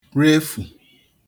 refù